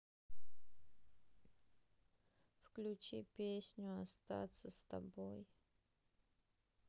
включи песню остаться с тобой